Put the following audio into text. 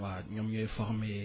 waa ñoom ñooy former